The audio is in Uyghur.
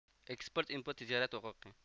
ئىكىسپورت ئىمپورت تىجارەت ھوقۇقى